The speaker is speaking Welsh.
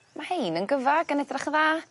ma' hein yn gyfag yn edrych yn dda.